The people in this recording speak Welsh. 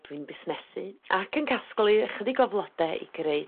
...dwi'n busnesu ac yn casglu ychydig o flode i greu